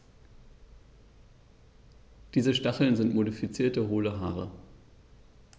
Diese Stacheln sind modifizierte, hohle Haare.